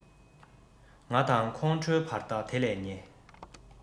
ང དང ཁོང ཁྲོའི བར ཐག དེ ལས ཉེ